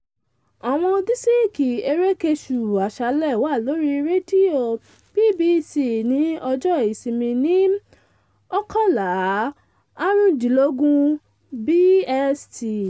Àwọn dísìkì Èrékùsù Aṣalẹ̀ wà lórí Rédíò BBC ní ọjọ́ Ìsinmi ní 11:15 BST.